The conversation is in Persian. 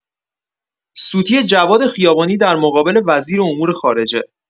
سوتی جواد خیابانی در مقابل وزیر امور خارجه